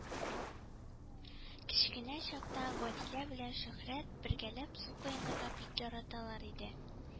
Кечкенә чакта Гадилә белән Шөһрәт бергәләп су коенырга бик яраталар иде